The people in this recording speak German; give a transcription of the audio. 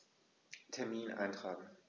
Termin eintragen